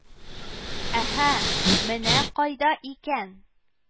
Әһә, менә кайда икән